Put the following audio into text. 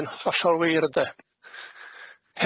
Sy'n hosol wir ynde?